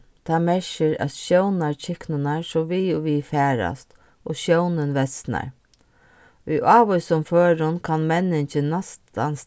tað merkir at sjónarkyknurnar so við og við farast og sjónin versnar í ávísum førum kann menningin næstan